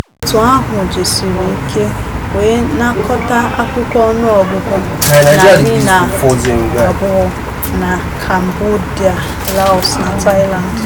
Òtù ahụ jisirike wee nakọta akụkọ ọnụọgụgụ 102 na Cambodia, Laos, na Thailand.